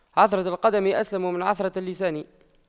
عثرة القدم أسلم من عثرة اللسان